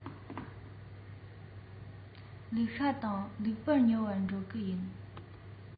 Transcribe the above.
ལུག ཤ དང ལུག ལྤགས ཉོ བར འགྲོ གི ཡིན